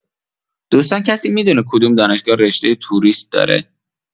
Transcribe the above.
دوستان کسی می‌دونه کدوم دانشگاه رشته توریست داره؟